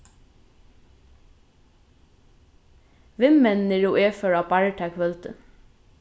vinmenninir og eg fóru á barr tað kvøldið